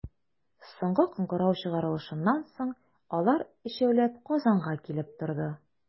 Соңгы кыңгырау чыгарылышыннан соң, алар, өчәүләп, Казанга килеп торды.